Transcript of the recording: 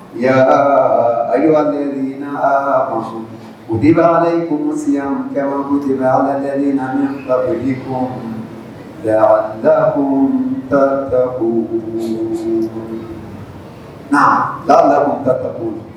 Ya ayiwa deliina muso odi b'aale ko musiya kɛte bɛ ale lajɛlenina min ka ko lada kun mutatabugubugu na' lammutataku